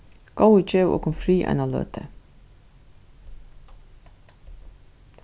góði gev okum frið eina løtu